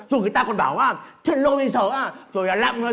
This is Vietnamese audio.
rồi người ta còn bảo á thiên lôi bây giờ còn lạm